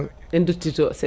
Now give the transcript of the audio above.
en duttitto se